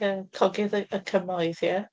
Ie, cogydd, yy, y cymoedd, ie?